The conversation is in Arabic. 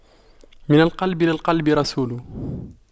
من القلب للقلب رسول